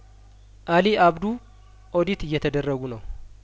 አሊ አብዱ ኦዲት እየተደረጉ ነው